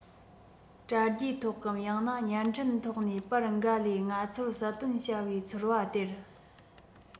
དྲ རྒྱའི ཐོག གམ ཡང ན བརྙན འཕྲིན ཐོག ནས པར འགའ ལས ང ཚོར གསལ སྟོན བྱ པའི ཚོར བ སྟེར